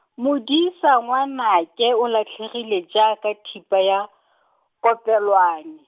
Modisa ngwanake o latlhegile jaaka thipa ya , kopelwane.